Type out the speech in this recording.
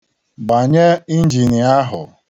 Gbanye injin ahụ.